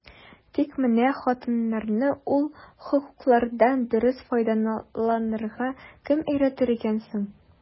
Тик менә хатыннарны ул хокуклардан дөрес файдаланырга кем өйрәтер икән соң?